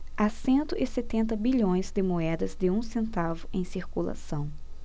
há cento e setenta bilhões de moedas de um centavo em circulação